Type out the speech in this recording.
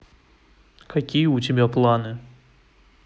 какие у тебя планы